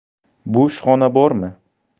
bo'sh xona bormi